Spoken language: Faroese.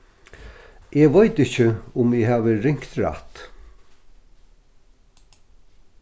eg veit ikki um eg havi ringt rætt